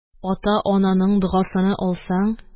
Ата-ананың догасыны алсаң,